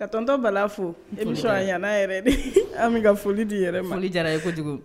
Ka tɔntɔ bala fo e bɛ sɔn a ɲ yɛrɛ de an bɛ ka foli di yɛrɛ mali jara ye kojugu